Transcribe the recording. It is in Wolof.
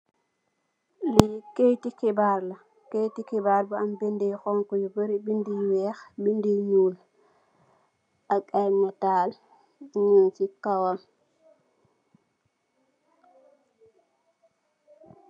Lii kayiti xibaar la, kayiti xibaar bi nak mu ngi am binda you xonxa, binda you weex, binda yu ñuul, ak ay nattal yu neeka si know.